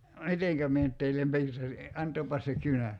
miten minä nyt teille piirtäisin antakaapas se kynä